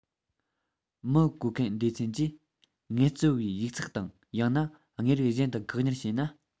མི བཀོལ མཁན སྡེ ཚན གྱིས ངལ རྩོལ པའི ཡིག ཚགས དང ཡང ན དངོས རིགས གཞན དག བཀག ཉར བྱས ན